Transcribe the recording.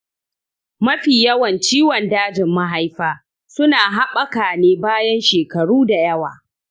mafi yawan ciwon dajin mahaifa su na haɓaka ne bayan shekaru da yawa.